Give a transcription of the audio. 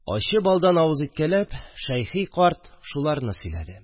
Ачы балдан авыз иткәләп, Шәйхи карт шуларны сөйләде